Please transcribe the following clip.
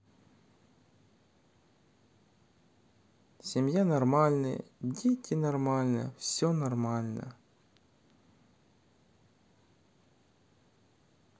семья нормальные дети нормально все нормально